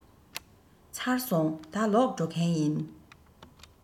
ཚར སོང ད ལོག འགྲོ མཁན ཡིན